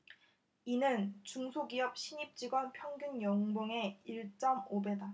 이는 중소기업 신입 직원 평균 연봉의 일 쩜 오 배다